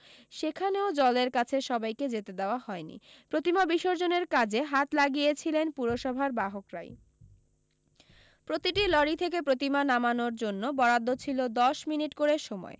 সেখানেও জলের কাছে সবাইকে যেতে দেওয়া হয়নি প্রতিমা বিসর্জনের কাজে হাত লাগিয়েছিলেন পুরসভার বাহকরাই প্রতিটি লরি থেকে প্রতিমা নামানোর জন্য বরাদ্দ ছিল দশ মিনিট করে সময়